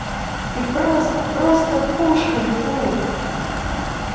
ты просто просто пушка youtube